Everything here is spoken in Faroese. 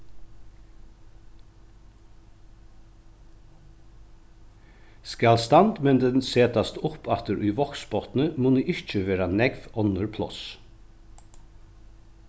skal standmyndin setast upp aftur í vágsbotni munnu ikki vera nógv onnur pláss